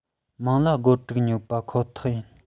མང ལ སྒོར དྲུག ཉོ ཁོ ཐག ཡིན